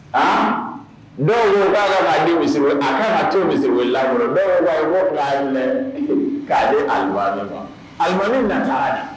A dɔw misi a ka to misiw lakɔrɔ dɔw la mɛn k'a di a malima nata dɛ